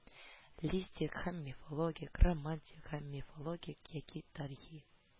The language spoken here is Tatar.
Листик һәм мифологик, романтик һәм мифологик яки тарихи